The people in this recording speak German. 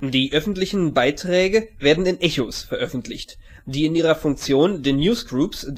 Die öffentlichen Beiträge werden in Echos veröffentlicht, die in ihrer Funktion den Newsgroups